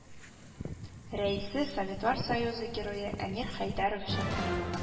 Рәисе, советлар союзы герое әмир хәйдәров чакыруы